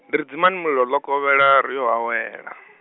ndiri dzimani mulilo lokovhela, riyo a wela .